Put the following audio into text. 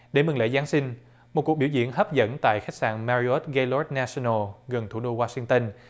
để mừng lễ giáng sinh một cuộc biểu diễn hấp dẫn tại khách sạn me ri nốt gây lốt ne sừn nồ gần thủ đô goa sinh tơn